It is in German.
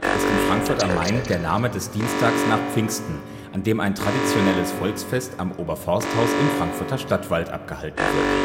ist in Frankfurt am Main der Name des Dienstags nach Pfingsten, an dem ein traditionelles Volksfest am Oberforsthaus im Frankfurter Stadtwald abgehalten wird